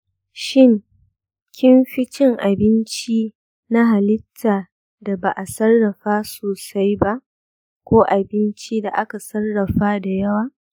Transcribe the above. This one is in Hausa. shin kina fi cin abinci na halitta da ba a sarrafa sosai ba, ko abinci da aka sarrafa da yawa?